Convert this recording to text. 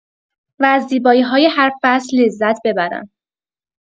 و از زیبایی‌های هر فصل لذت ببرن.